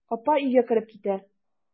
Апа өйгә кереп китә.